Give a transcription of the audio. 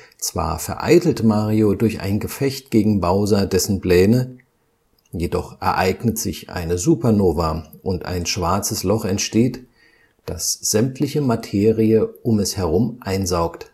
Zwar vereitelt Mario durch ein Gefecht gegen Bowser dessen Pläne, jedoch ereignet sich eine Supernova und ein schwarzes Loch entsteht, das sämtliche Materie um es herum einsaugt